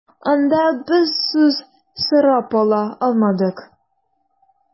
Анда без сүз сорап ала алмадык.